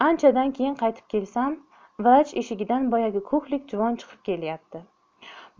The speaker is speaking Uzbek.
anchadan keyin qaytib kelsam vrach eshigidan boyagi ko'hlik juvon chiqib kelyapti